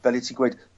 fel 'yt ti gweud